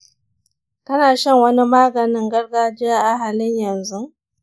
kana shan wani maganin gargajiya a halin yanzu?